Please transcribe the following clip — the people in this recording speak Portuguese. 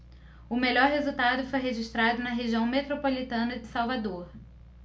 o melhor resultado foi registrado na região metropolitana de salvador